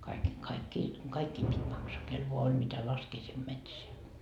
kaikki kaikkia kaikkien piti maksaa kenellä vain oli mitä laskea sinne metsään